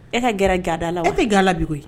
E ka g ga la o bɛ gala bi koyi